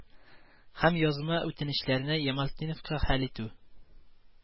Һәм язма үтенечләренә Ямалтдиновка, хәл итү